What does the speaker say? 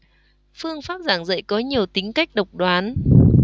phương pháp giảng dạy có nhiều tính cách độc đoán